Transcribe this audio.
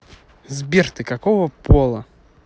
сбер ты какого пола